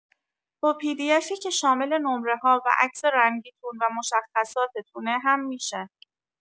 با پی دی افی که شامل نمره‌ها و عکس رنگی‌تون و مشخصاتتونه هم می‌شه